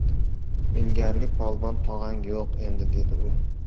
ilgarigi polvon tog'ang yo'q endi dedi u